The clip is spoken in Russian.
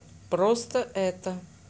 просто это